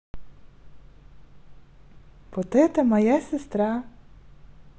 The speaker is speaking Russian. вот это моя сестра